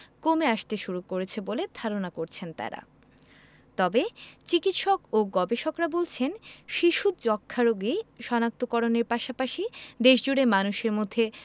কমে আসতে শুরু করেছে বলে ধারণা করছেন তারা তবে চিকিৎসক ও গবেষকরা বলছেন শিশু যক্ষ্ণারোগী শনাক্ত করণের পাশাপাশি দেশজুড়ে মানুষের মধ্যে